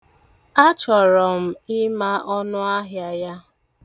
Achọrọ m ịma ọnụahịa ya.